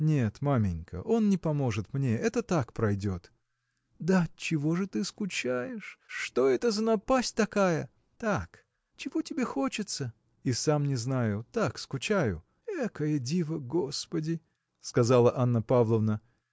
– Нет, маменька, он не поможет мне: это так пройдет. – Да отчего же ты скучаешь? Что это за напасть такая? – Так. – Чего тебе хочется? – И сам не знаю; так скучаю. – Экое диво, господи! – сказала Анна Павловна.